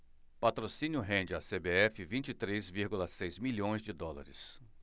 patrocínio rende à cbf vinte e três vírgula seis milhões de dólares